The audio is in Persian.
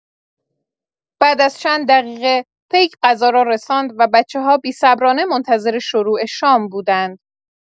بعد از چند دقیقه، پیک غذا را رساند و بچه‌ها بی‌صبرانه منتظر شروع شام بودند.